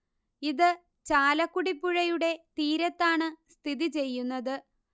ഇത് ചാലക്കുടി പുഴയുടെ തീരത്താണ് സ്ഥിതിചെയ്യുന്നത്